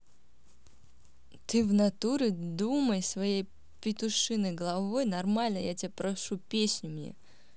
ты в натуре думай своей петушиной головой нормально я тебя прошу песню мне